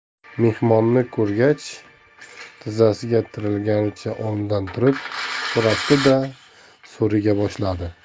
mehmonni ko'rgach tizzasiga tiralganicha o'rnidan turib so'rashdi da so'riga boshladi